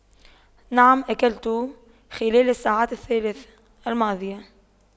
نعم أكلت خلال الساعات الثلاثة الماضية